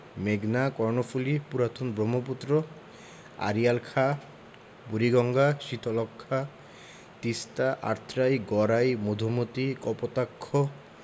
মেঘনা কর্ণফুলি পুরাতন ব্রহ্মপুত্র আড়িয়াল খাঁ বুড়িগঙ্গা শীতলক্ষ্যা তিস্তা আত্রাই গড়াই মধুমতি কপোতাক্ষ